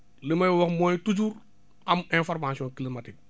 li may wax mooy toujours am information climatique